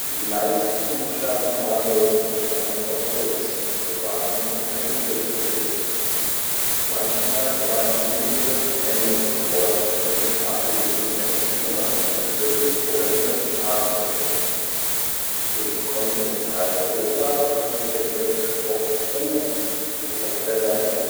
Die meisten Buchstabentafeln bestanden aus Holz und waren mit einem Griff versehen. Manchmal war in den Griff ein Loch gebohrt, um die Tafel mittels einer Schnur an den Gürtel oder über den Arm zu hängen. Im kontinentalen Europa befand sich der Griff oft oben oder an der Seite,